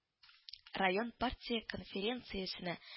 Район партия конференциясенә